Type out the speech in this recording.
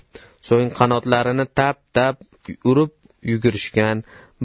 so'ng qanotlarini tap tap urib yugurishgan